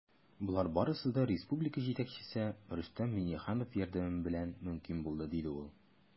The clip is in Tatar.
Болар барысы да республика җитәкчелеге, Рөстәм Миңнеханов, ярдәме белән мөмкин булды, - диде ул.